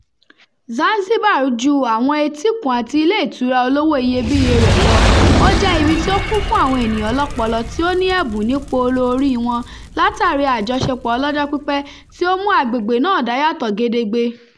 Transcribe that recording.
Zanzibar ju àwọn etíkun àti ilé ìtura olówó iyebíye rẹ̀ lọ — ó jẹ́ ibi tí ó kún fún àwọn ènìyàn ọlọ́pọlọ tí ó ní ẹ̀bùn ní poolo orí wọn látàrí àjọṣepọ̀ ọlọ́jọ́ pípẹ́ tí ó mú agbègbè náà dá yàtọ̀ gedegbe.